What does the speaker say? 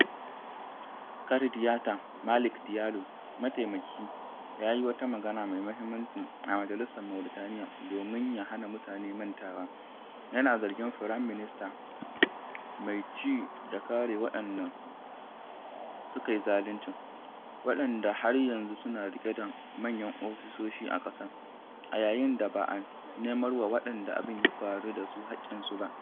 Kardiata Malick Diallo, mataimaki, ya yi wata magana mai muhimmanci a majalisar Mauritaniya domin ya hana mutane mantawa, yana zargin Firaminista mai ci da kare waɗanda suka yi zaluncin, waɗanda har yanzu suna riƙe da manyan ofisoshi a ƙasar, a yayin da ba a nemarwa waɗanda abin ya faru da su haƙƙinsu ba: